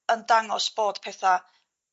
yn dangos bod petha